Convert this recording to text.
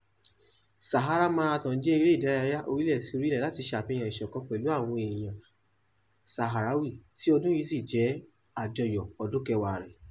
Sahara Marathon jẹ́ ètò eré ìdárayá orílẹ̀-sí-orílẹ̀ láti ṣe àfihàn ìṣọ̀kan pẹ̀lú àwọn èèyàn Saharawi tí ọdún yìí sì jẹ́ àjọyọ̀ ọdún kẹwàá rẹ̀.